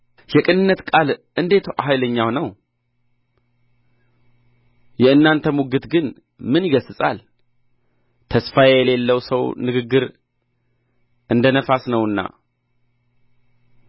የቅንነት ቃል እንዴት ኃይለኛ ነው የእናንተ ሙግት ግን ምን ይገሥጻል ተስፋ የሌለው ሰው ንግግር እንደ ነፋስ ነውና